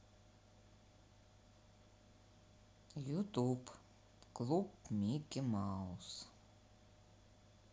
ютуб клуб микки маус